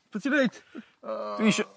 Pw' ti ddeud? O. Dwi isio...